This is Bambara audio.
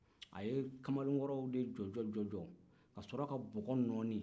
a ye kamalenkɔrɔw de jɔjɔ-jɔjɔ ka sɔrɔ ka bɔgɔ nɔɔni